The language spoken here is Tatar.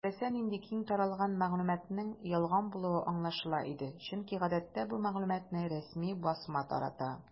Теләсә нинди киң таралган мәгълүматның ялган булуы аңлашыла иде, чөнки гадәттә бу мәгълүматны рәсми басма тарата.